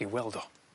i'w weld o.